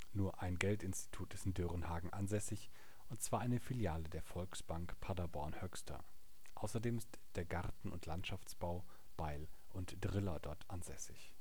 Nur ein Geldinstitut ist in Dörenhagen ansässig, und zwar eine Filiale der Volksbank Paderborn-Höxter. Außerdem ist der Garten und Landschaftsbau " Beil & Driller " dort ansässig